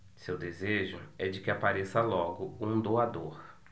seu desejo é de que apareça logo um doador